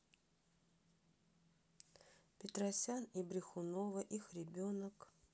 петросян и брехунова их ребенок